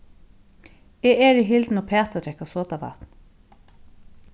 eg eri hildin uppat at drekka sodavatn